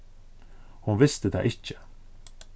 hon visti tað ikki